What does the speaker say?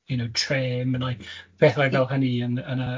you know trem, neu pethau fel hynny yn yn y